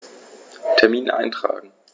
Termin eintragen